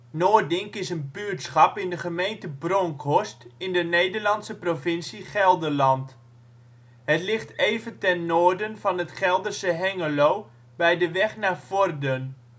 Noordink is een buurtschap in de gemeente Bronckhorst in de Nederlandse provincie Gelderland. Het ligt even ten noorden van het Gelderse Hengelo bij de weg naar Vorden